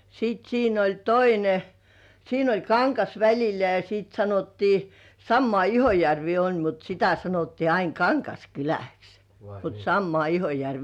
sitten siinä oli toinen siinä oli kangas välillä ja sitten sanottiin samaa Ihojärveä oli mutta sitä sanottiin aina Kangaskyläksi mutta samaa Ihojärveä